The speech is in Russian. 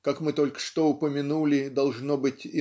как мы только что упомянули должно быть